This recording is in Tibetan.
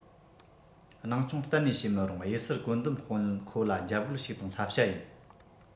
སྣང ཆུང གཏན ནས བྱེད མི རུང གཡུལ སར བཀོད འདོམས དཔོན ཁོ ལ འཇབ རྒོལ ཞིག དང བསླབ བྱ ཡིན